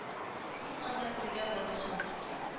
Мин анда керергә батырчылык итмим